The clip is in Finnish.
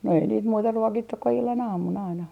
no ei niitä muuta ruokittu kuin illan aamun aina